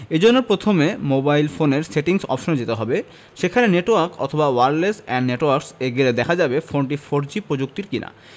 এ জন্য প্রথমে মোবাইল ফোনের সেটিংস অপশনে যেতে হবে সেখানে নেটওয়ার্ক অথবা ওয়্যারলেস অ্যান্ড নেটওয়ার্কস এ গেলে দেখা যাবে ফোনটি ফোরজি প্রযুক্তির কিনা